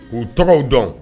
K'u tɔgɔw dɔn